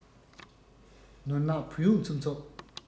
ནོར ནག བུ ཡུག ཚུབ ཚུབ